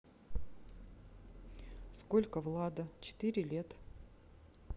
сколько влада четыре лет